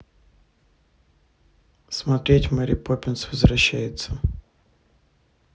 смотреть мэри поппинс возвращается